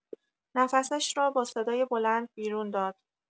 نفسش را با صدای بلند بیرون داد.